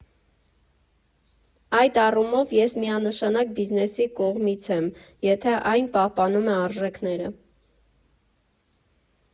Այդ առումով ես միանշանակ բիզնեսի կողմից եմ, եթե այն պահպանում է արժեքները։